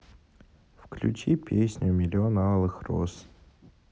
включи песню миллион алых роз